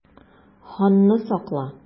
Ханны сакла!